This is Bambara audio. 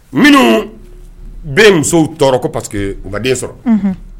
Minu bɛ musow tɔɔrɔ ko parce que u ma den sɔrɔ.